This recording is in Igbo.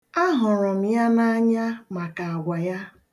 A hụrụ m ya n'anya maka agwa ya.